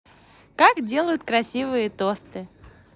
как делают красивые тосты